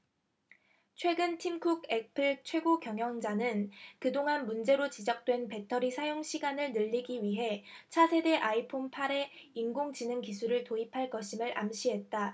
최근 팀쿡 애플 최고경영자는 그동안 문제로 지적된 배터리 사용시간을 늘리기 위해 차세대 아이폰 팔 에 인공지능기술을 도입할 것임을 암시했다